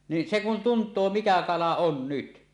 niin se kun tuntee mikä kala on nyt